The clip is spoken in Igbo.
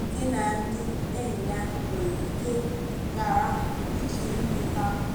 nke na ndị enyi ya nwere ike ghara iji ndụ ha pụta.